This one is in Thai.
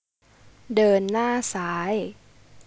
เดินหน้าซ้าย